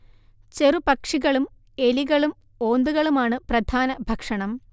ചെറു പക്ഷികളും എലികളും ഓന്തുകളുമാണ് പ്രധാന ഭക്ഷണം